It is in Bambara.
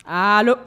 Aa